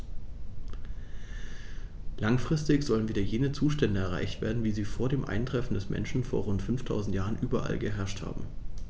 Langfristig sollen wieder jene Zustände erreicht werden, wie sie vor dem Eintreffen des Menschen vor rund 5000 Jahren überall geherrscht haben.